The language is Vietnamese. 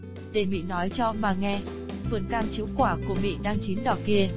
để mị nói cho mà nghe vườn cam trĩu quả của mị đang chín đỏ kìa